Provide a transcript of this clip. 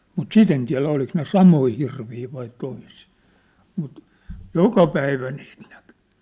mutta sitä en tiedä oliko ne samoja hirviä vai toisia mutta joka päivä niitä näkyi